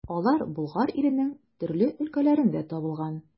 Алар Болгар иленең төрле өлкәләрендә табылган.